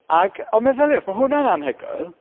Ac... Ond meddyliwch, mae hwnna'n anhygoel.